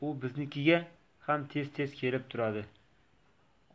u biznikiga ham tez tez kelib turadi